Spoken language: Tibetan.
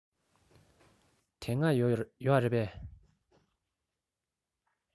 དེ སྔ ཡོད རེད པས